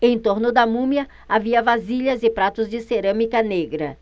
em torno da múmia havia vasilhas e pratos de cerâmica negra